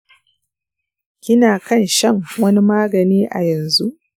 kina kan shan wani magani a yanzu?